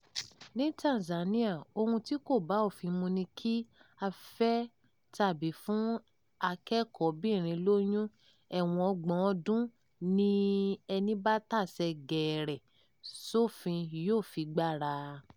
Ní Tanzania, ohun tí kò bá òfin mu ni kí a fẹ́ tàbí fún akẹ́kọ̀ọ́bìnrin lóyún, ẹ̀wọ̀n ọgbọ̀n ọdún ni ẹní bá tasẹ̀ àgẹ̀rẹ̀ sófin yóò fi gbára.